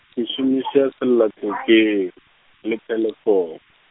ke šomiša sellathekeng, le thelefoune.